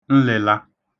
nlị̄lā